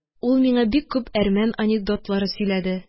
Ул миңа бик күп әрмән анекдотлары сөйләде